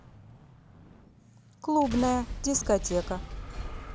клубная дискотека